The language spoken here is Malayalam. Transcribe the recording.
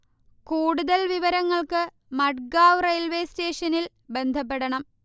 കൂടുതൽ വിവരങ്ങൾക്ക് മഡ്ഗാവ് റെയിൽവേ സ്റ്റേഷനിൽ ബന്ധപ്പെടണം